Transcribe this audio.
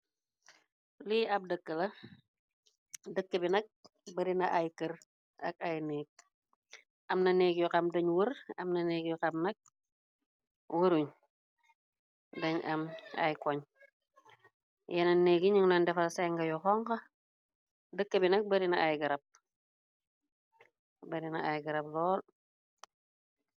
Lii ab dëkk la, dëkk bi nag barina ay kër ak ay neek, am na neek yu xam dañ wër, am na neek yu xam nak wëruñ dañ am ay koñ yene neegyi ñing nan defal sey nga yu xonxo, dëkk bi nak r barina ay garab lool.